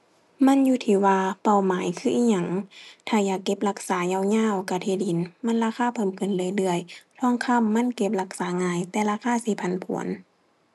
มันอยู่ที่ว่าเป้าหมายคืออิหยัง ถ้าอยากเก็บรักษายาวยาวก็ที่ดิน มันราคาเพิ่มขึ้นเรื่อยเรื่อย ทองคำมันเก็บรักษาง่ายแต่ราคาสิผันผวน